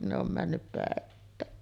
ne on mennyt päittäin